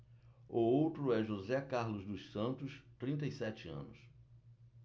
o outro é josé carlos dos santos trinta e sete anos